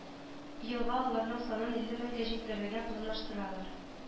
Елга аларның санын илле меңгә җиткерергә планлаштыралар